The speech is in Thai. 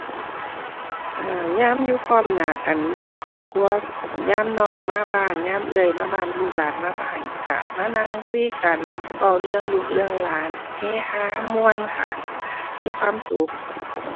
เอ่อ ยามอยู่พร้อมหน้ากันหมดครอบครัว ยามน้องมาบ้าน ยามเอื้อยมาบ้าน ลูกหลานมาบ้าน หมดมานั่งคุยกัน เว้าเรื่องลูกเรื่องหลาน เฮฮา ม่วนค่ะ มีความสุข